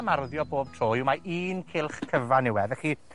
am arddio bob tro yw mae un cylch cyfan yw e, felly